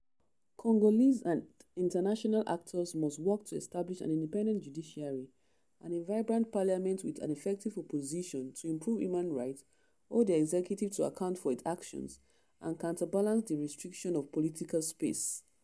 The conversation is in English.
Congolese and international actors must work to establish an independent judiciary and a vibrant parliament with an effective opposition to improve human rights, hold the executive to account for its actions, and counterbalance the restriction of political space.